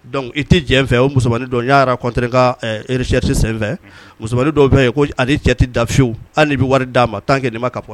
Donc I tɛ jɛ n fɛ, o musomani dɔ, n y'a rencontrer ɛɛ, n ka recherche sen fɛ musomani dɔw bɛ yen k'ani cɛ fiyew, hali n'i bɛ wari d'a ma tant que i ma capotte